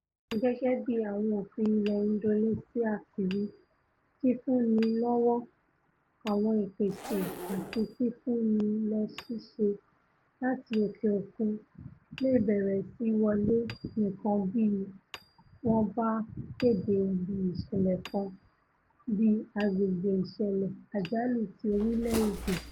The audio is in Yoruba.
Gẹ́gẹ́ bí àwọn òfin ilẹ̀ Indonesia ti wí, fífúnnilówó, àwọn ìpèsè àti fífúnnilóṣìṣẹ́ láti òkè-òkun leè bẹ̀rẹ̀ sí wọlé nìkan bí wọ́n bá kéde ibi ìṣẹ̀lẹ̀ kan bíi agbègbè̀̀ ìṣẹ̀lẹ̀ àjálù ti orílẹ̀-èdè.